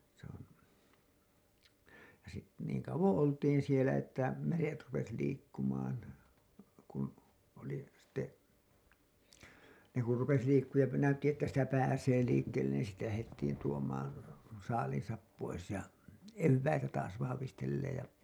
se on ja - niin kauan oltiin siellä että meret rupesi liikkumaan kun oli sitten ne kun rupesi liikkumaan ja näytti että sitä pääsee liikkeelle niin sitten lähdettiin tuomaan saaliinsa pois ja eväitä taas vahvistelleen ja